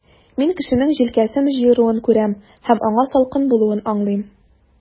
Мин кешенең җилкәсен җыеруын күрәм, һәм аңа салкын булуын аңлыйм.